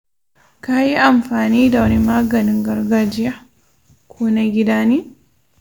ka yi amfani da wani maganin gargajiya ko na gida ne?